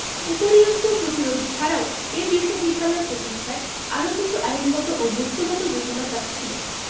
উপরিউক্ত প্রতিরোধ ছাড়াও এ বিশ্ববিদ্যালয় প্রতিষ্ঠায় আরও কিছু আইনগত ও বস্ত্তগত জটিলতা ছিল